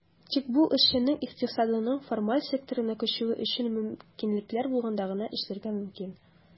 Тик бу эшченең икътисадның формаль секторына күчүе өчен мөмкинлекләр булганда гына эшләргә мөмкин.